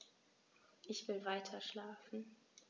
Ich will weiterschlafen.